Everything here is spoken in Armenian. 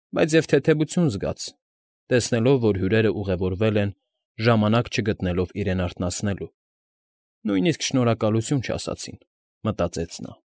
Բայց և թեթևություն զգաց, տեսնելով, որ հյուրերն ուղևորվել են՝ ժամանակ չգտնելով իրեն արթնացնելու («նույնիսկ շնորհակալություն չասացին»,֊ մտածեց նա)։